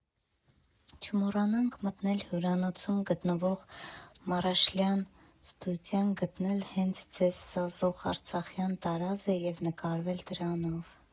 Չմոռանաք մտնել հյուրանոցում գտնվող «Մարաշլյան» ստուդիան, գտնել հենց ձեզ սազող արցախյան տարազը և նկարվել դրանով։